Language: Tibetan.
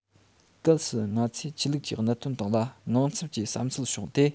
གལ སྲིད ང ཚོས ཆོས ལུགས ཀྱི གནད དོན སྟེང ལ དངངས འཚབ ཀྱི བསམ ཚུལ བྱུང སྟེ